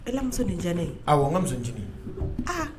Ɛla muso de ye Jaanɛ ye awɔ n ka musoni ncini aa